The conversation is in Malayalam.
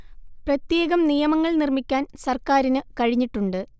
പ്രത്യേകം നിയമങ്ങൾ നിർമ്മിക്കാൻ സർക്കാരിന് കഴിഞ്ഞിട്ടുണ്ട്